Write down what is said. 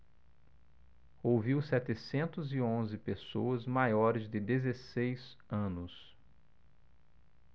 ouviu setecentos e onze pessoas maiores de dezesseis anos